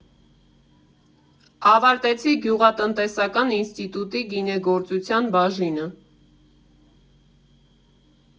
Ավարտեցի գյուղատնտեսական ինստիտուտի գինեգործության բաժինը։